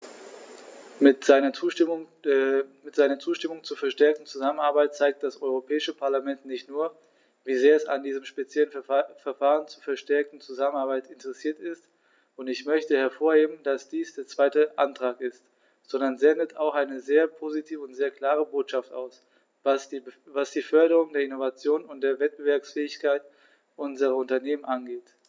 Mit seiner Zustimmung zur verstärkten Zusammenarbeit zeigt das Europäische Parlament nicht nur, wie sehr es an diesem speziellen Verfahren zur verstärkten Zusammenarbeit interessiert ist - und ich möchte hervorheben, dass dies der zweite Antrag ist -, sondern sendet auch eine sehr positive und sehr klare Botschaft aus, was die Förderung der Innovation und der Wettbewerbsfähigkeit unserer Unternehmen angeht.